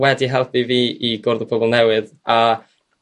wedi helpu fi i gwrdd o pobol newydd a